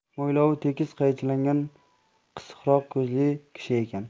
mo'ylovi tekis qaychilangan qisiqroq ko'zli kishi ekan